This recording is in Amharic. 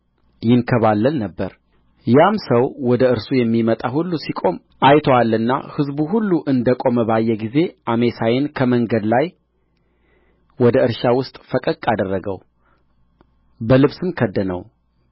ይንከባለል ነበር ያም ሰው ወደ እርሱ የሚመጣ ሁሉ ሲቆም አይቶአልና ሕዝቡ ሁሉ እንደ ቆመ ባየ ጊዜ አሜሳይን ከመንገድ ላይ ወደ እርሻ ውስጥ ፈቀቅ አደረገው በልብስም ከደነው